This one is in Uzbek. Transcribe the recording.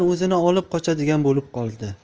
o'zini olib qochadigan bo'lib qoldi